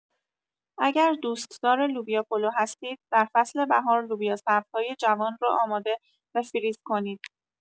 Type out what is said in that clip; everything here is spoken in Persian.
اگر دوستدار لوبیا پلو هستید در فصل بهار لوبیا سبزهای جوان را آماده و فریز کنید.